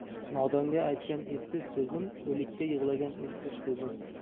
nodonga aytgan esiz so'zim o'likka yig'lagan esiz ko'zim